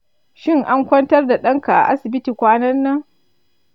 shin an kwantar da ɗan ka a asibiti kwanan nan?